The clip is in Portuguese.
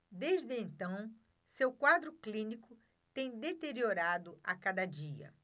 desde então seu quadro clínico tem deteriorado a cada dia